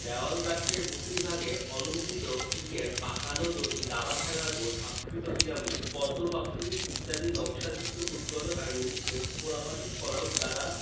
দেয়ালগাত্রের বহির্ভাগ অলঙ্কৃত ইটের পাকানো দড়ি দাবা খেলার বোর্ড ধাপকৃত পিরামিডপদ্ম পাপড়ি ইত্যাদি নকশাযুক্ত উদ্গত কার্নিস এবং পোড়ামাটির ফলক দ্বারা